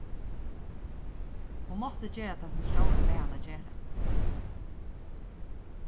hon mátti gera tað sum stjórin bað hana gera